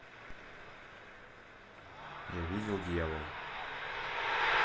я видел дьявол